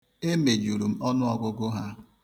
E mejuru m ọnụọgụg̣ụ ha.